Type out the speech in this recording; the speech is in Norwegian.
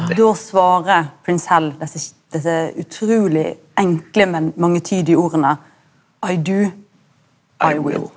då svarer prins Hal desse desse utruleg enkle men mangetydige orda .